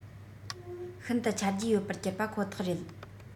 ཤིན ཏུ ཆ རྒྱུས ཡོད པར གྱུར པ ཁོ ཐག རེད